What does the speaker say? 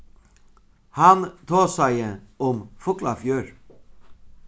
hann tosaði um fuglafjørð